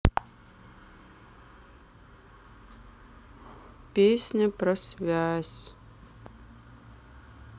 песня про связь